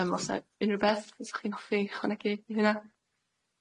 Yym o's 'na unrywbeth fysa chi'n hoffi ychwanegu i hynna?